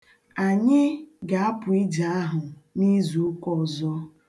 Anyị ga-apụ ije ahụ n'izuụka ọzọ.